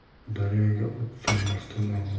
daryoga ot solmasdan